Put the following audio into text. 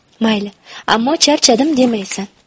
mayli ammo charchadim demaysan